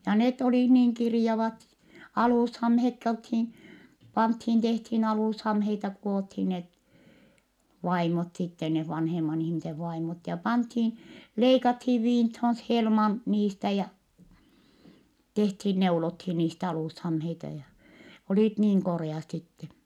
ja ne oli niin kirjavat alushameetkin oltiin pantiin tehtiin alushameita kudottiin ne vaimot sitten ne vanhemman ihmisen vaimot ja pantiin leikattiin viintoon - helman niistä ja tehtiin neulottiin niistä alushameita ja olivat niin koreat sitten